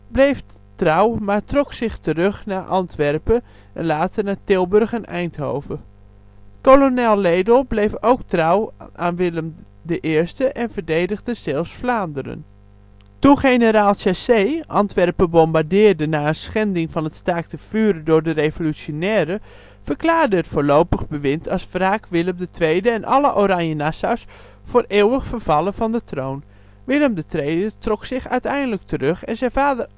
bleef trouw, maar trok zich terug naar Antwerpen en later naar Tilburg en Eindhoven. Kolonel Ledel bleef ook trouw aan Willem I en verdedigde Zeeuws-Vlaanderen. Toen generaal Chassé Antwerpen bombardeerde na een schending van het staakt-het-vuren door de revolutionairen, verklaarde het Voorlopig Bewind als wraak Willem II en alle Oranje-Nassaus voor eeuwig vervallen van de troon. Willem II trok zich uiteindelijk terug en zijn vader